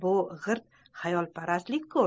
bu girt xayolparastlik ku